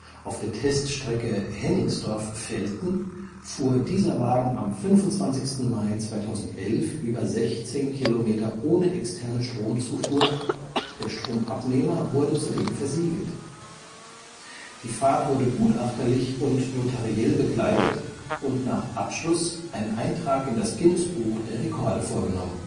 Auf der Teststrecke Hennigsdorf – Velten fuhr dieser Wagen am 25. Mai 2011 über 16 Kilometer ohne externe Stromzufuhr, der Stromabnehmer wurde zudem versiegelt. Die Fahrt wurde gutachterlich und notariell begleitet und nach Abschluss ein Eintrag in das Guinness-Buch der Rekorde vorgenommen